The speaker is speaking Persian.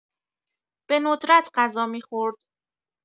به‌ندرت غذا می‌خورد.